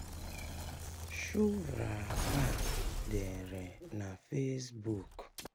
Shuvra Kar dere na Facebook: